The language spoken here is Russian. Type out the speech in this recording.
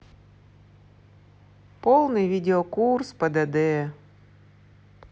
полный видео курс пдд